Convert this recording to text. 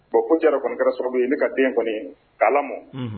Bon ko jara kɔni kɛra sɔrɔ yen ne ka den kɔni kala ma